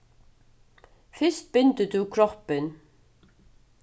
fyrst bindur tú kroppin